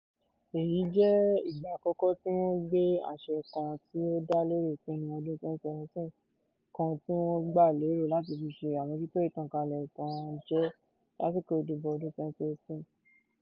Èyí jẹ́ ìgbà àkọ́kọ́ tí wọ́n gbé àṣẹ kan tí ó dá lórí ìpinnu ọdún 2017 kan tí wọ́n gbà lérò láti fi ṣe àmójútó ìtànkálẹ̀ ìtànjẹ lásìkò ìdìbò ọdún 2018.